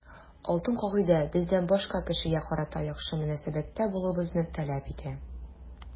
Алтын кагыйдә бездән башка кешегә карата яхшы мөнәсәбәттә булуыбызны таләп итә.